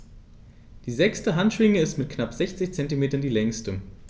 Die sechste Handschwinge ist mit knapp 60 cm die längste.